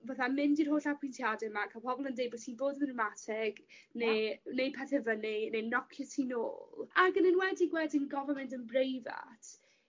fatha mynd i'r holl apwyntiade 'ma ca'l pobol yn deud bo' ti'n bod yn ddramatig ne' neud pethe fynnu neu nocio ti nôl ag yn enwedig wedyn gofo mynd yn breifat